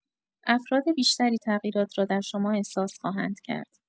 افراد بیشتری تغییرات را در شما احساس خواهند کرد.